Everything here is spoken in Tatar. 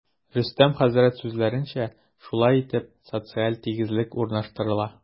Рөстәм хәзрәт сүзләренчә, шулай итеп, социаль тигезлек урнаштырыла.